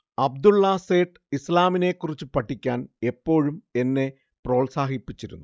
അബ്ദുള്ള സേഠ് ഇസ്ലാമിനേക്കുറിച്ച് പഠിക്കാൻ എപ്പോഴും എന്നെ പ്രോത്സാഹിപ്പിച്ചിരുന്നു